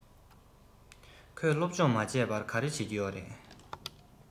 ཁོས སློབ སྦྱོང མ བྱས པར ག རེ བྱེད ཀྱི ཡོད རས